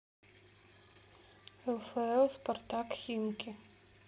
лфл спартак химки